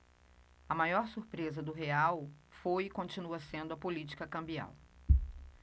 a maior surpresa do real foi e continua sendo a política cambial